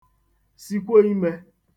sikwo imē